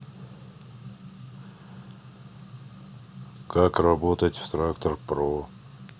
как работать в трактор про